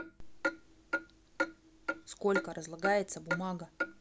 сколько разлагается бумага